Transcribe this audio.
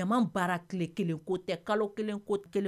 Jama baara tile kelen ko tɛ kalo kelen ko kelen